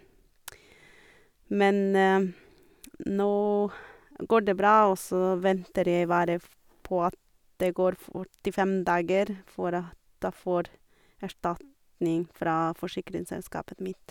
Men nå går det bra, og så venter jeg bare f på at det går førtifem dager, for at jeg får erstatning fra forsikringsselskapet mitt.